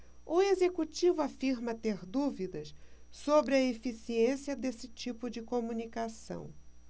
o executivo afirma ter dúvidas sobre a eficiência desse tipo de comunicação